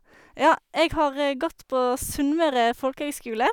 Ja, jeg har gått på Sunnmøre Folkehøgskule.